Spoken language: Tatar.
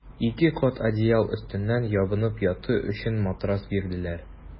Ике кат одеял өстеннән ябынып яту өчен матрас бирделәр.